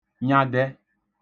nyaḋẹ